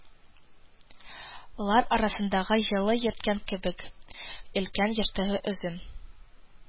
Лар арасындагы җылы йортка кереп, өлкән яшьтәге озын